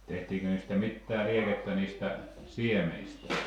tehtiinkö niistä mitään lääkettä niistä siemenistä